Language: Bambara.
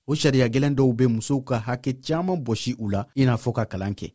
o sariya gɛlɛn dɔw bɛ musow ka hakɛ caman bɔsi u la i n'a fɔ ka kalan kɛ